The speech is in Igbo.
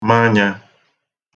manyā